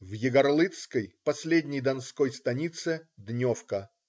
В Егорлыцкой - последней донской станице - дневка.